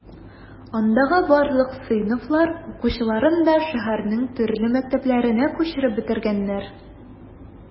Андагы барлык сыйныфлар укучыларын да шәһәрнең төрле мәктәпләренә күчереп бетергәннәр.